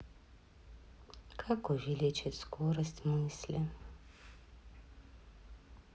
как увеличить скорость мысли